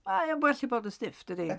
Mae o'n gallu bod yn stiff dydi?